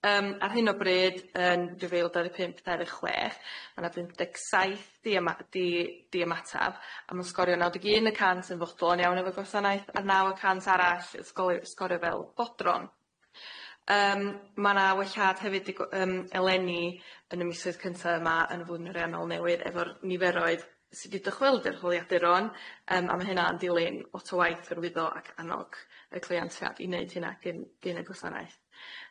Yym ar hyn o bryd yn dwy fil dau ddeg pump dau ddeg chwech ma' na bum deg saith diema- di- di amatab a ma'n sgorio naw deg un y cant yn fodlon iawn efo gwasanaeth a naw y cant arall sgolio sgorio fel bodron. Yym ma' na welliad hefyd di- go- yym eleni yn y misoedd cynta yma yn y flwyddyn ariannol newydd efo'r niferoedd sy' di dychwelyd i'r hyliaduron yym a ma' hynna yn dilyn lot o waith cyrwyddo ac annog y cleiantiad i neud hynna gin gin y gwasanaeth.